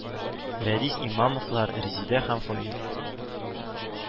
Рәдис Имамовлар, Резеда һәм Фаил